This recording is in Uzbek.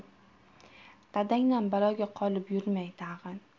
dadangdan baloga qolib yurmay tag'in